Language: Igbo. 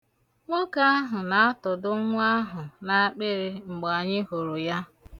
Nwoke ahụ na-atọdo nnwa ahụ n'akpịrị mgbe anyị hụrụ ya.